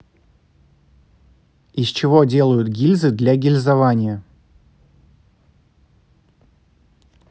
из чего делают гильзы для гильзования